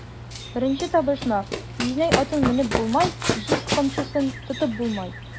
Беренче табышмак: "Җизнәй атын менеп булмай, җиз камчысын тотып булмай!"